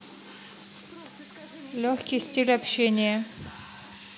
легкий стиль общения